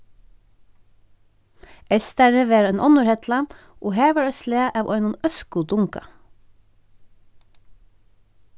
eystari var ein onnur hella og har var eitt slag av einum øskudunga